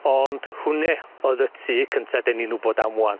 Ond hwnne o'dd y tŷ cynta' 'den ni'n wbod am ŵan.